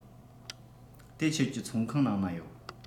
དེ ཁྱོད ཀྱི ཚོང ཁང ནང ན ཡོད